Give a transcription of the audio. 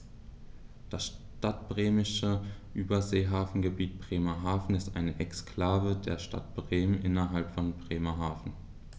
Das Stadtbremische Überseehafengebiet Bremerhaven ist eine Exklave der Stadt Bremen innerhalb von Bremerhaven.